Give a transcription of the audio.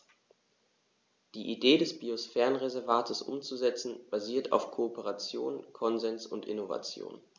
Die Idee des Biosphärenreservates umzusetzen, basiert auf Kooperation, Konsens und Innovation.